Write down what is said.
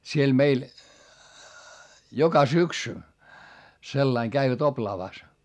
siellä meillä joka syksy sillä lailla kävivät oplaavassa